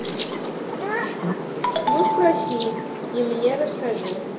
ну спроси и мне расскажи